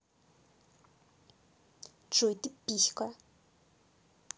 джой ты писька